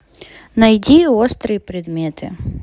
найди острые предметы